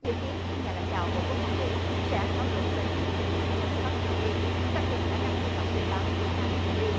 dự kiến hai nhà lãnh đạo bộ quốc phòng mỹ sẽ thảo luận về chương trình hạt nhân của bắc triều tiên tăng cường khả năng thu thập tình báo của nam triều tiên